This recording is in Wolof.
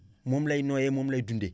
moom lay noyyee moom lay dundee